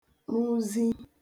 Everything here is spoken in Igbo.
rụzi